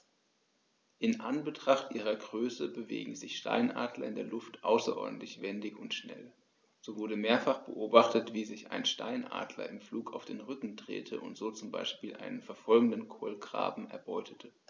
In Anbetracht ihrer Größe bewegen sich Steinadler in der Luft außerordentlich wendig und schnell, so wurde mehrfach beobachtet, wie sich ein Steinadler im Flug auf den Rücken drehte und so zum Beispiel einen verfolgenden Kolkraben erbeutete.